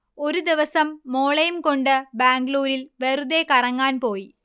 ഒരു ദിവസം മോളേയും കൊണ്ട് ബാംഗ്ലൂരിൽ വെറുതെ കറങ്ങാൻ പോയി